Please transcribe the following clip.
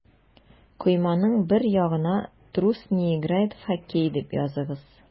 Койманың бер ягына «Трус не играет в хоккей» дип языгыз.